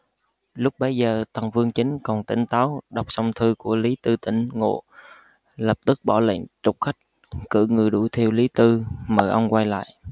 lúc bấy giờ tần vương chính còn tỉnh táo đọc xong thư của lý tư tỉnh ngộ lập tức bỏ lệnh trục khách cử người đuổi theo lý tư mời ông quay lại